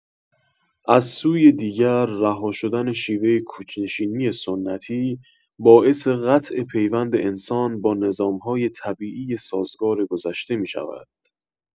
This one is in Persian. از سوی دیگر، رها شدن شیوه کوچ‌نشینی سنتی، باعث قطع پیوند انسان با نظام‌های طبیعی سازگار گذشته می‌شود.